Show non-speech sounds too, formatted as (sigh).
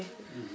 (hesitation) (hesitation)